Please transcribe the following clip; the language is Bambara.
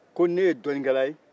ko ne ye dɔɔninkɛla ye